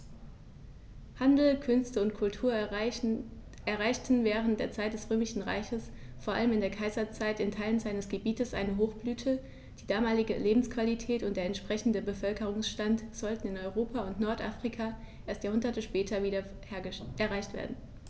Handel, Künste und Kultur erreichten während der Zeit des Römischen Reiches, vor allem in der Kaiserzeit, in Teilen seines Gebietes eine Hochblüte, die damalige Lebensqualität und der entsprechende Bevölkerungsstand sollten in Europa und Nordafrika erst Jahrhunderte später wieder erreicht werden.